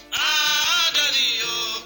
A deli yo